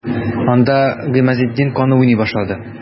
Анда Гыймазетдин каны уйный башлады.